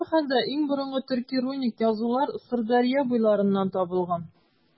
Һәрхәлдә, иң борынгы төрки руник язулар Сырдәрья буйларыннан табылган.